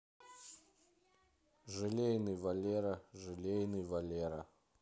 желейный валера желейный валера